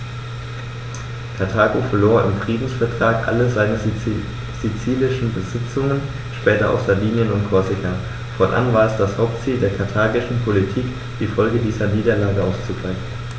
Karthago verlor im Friedensvertrag alle seine sizilischen Besitzungen (später auch Sardinien und Korsika); fortan war es das Hauptziel der karthagischen Politik, die Folgen dieser Niederlage auszugleichen.